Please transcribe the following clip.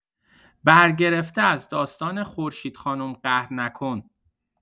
برگرفته از داستان خورشید خانم قهر نکن!